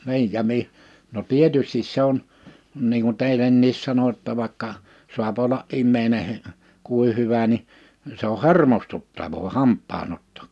niin ja - no tietysti se on niin kuin teillekin sanoin jotta vaikka saa olla ihminen kuinka hyvä niin se on hermostuttavaa hampaan otto